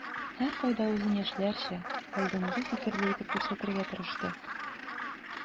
Һәркайда үзен яшьләрчә, алдынгы фикерле итеп күрсәтергә тырышты.